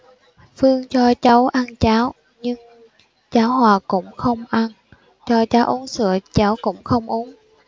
phương cho cháu ăn cháo nhưng cháu hòa cũng không ăn cho cháu uống sữa cháu cũng không uống